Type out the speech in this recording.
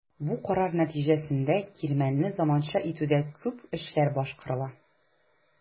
Бу карар нәтиҗәсендә кирмәнне заманча итүдә күп эшләр башкарыла.